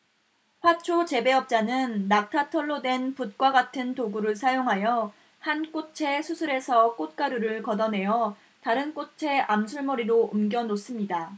화초 재배업자는 낙타털로 된 붓과 같은 도구를 사용하여 한 꽃의 수술에서 꽃가루를 걷어 내어 다른 꽃의 암술머리로 옮겨 놓습니다